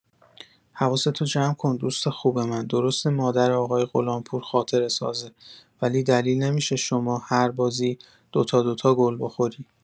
حواستو جمع‌کن دوست خوب من درسته مادر آقای غلامپور خاطره سازه ولی دلیل نمی‌شه شما هر بازی ۲ تا ۲ تا گل بخوری!